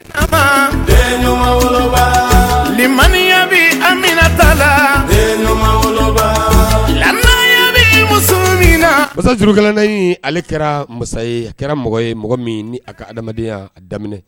Ɲuman lilima ɲami amina tabalima yami masa juruuru kelenna ale kɛra masa ye a kɛra mɔgɔ ye mɔgɔ min ni a ka adamadenyaya daminɛ